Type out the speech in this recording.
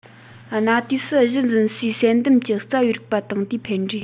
གནའ དུས སུ གཞི འཛིན སའི བསལ འདེམས ཀྱི རྩ བའི རིགས པ དང དེའི ཕན འབྲས